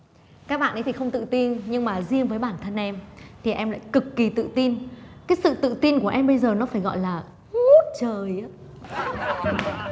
các bạn ấy thì không tự tin nhưng mà riêng với bản thân em thì em lại cực kỳ tự tin cái sự tự tin của em bây giờ nó phải gọi là ngút trời ạ